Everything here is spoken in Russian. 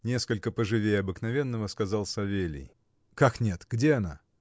— несколько поживее обыкновенного сказал Савелий. — Как нет, где она?